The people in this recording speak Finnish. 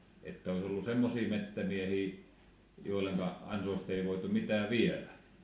että olisi ollut semmoisia metsämiehiä joiden ansoista ei voitu mitään viedä